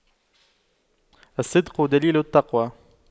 الصدق دليل التقوى